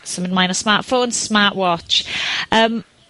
symud ymlaen o smart phone. Smart watch, symud ymlaen o smart phone. yym,